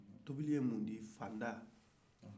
tobili ye mun de ye fanda